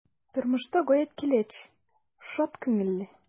Тормышта гаять көләч, шат күңелле.